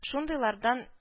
Шундыйлардан